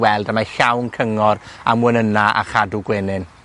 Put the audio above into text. weld a mae llawn cyngor am wenyna a chadw gwenyn.